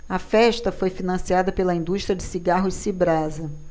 a festa foi financiada pela indústria de cigarros cibrasa